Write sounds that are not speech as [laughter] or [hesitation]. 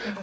[hesitation] [hesitation]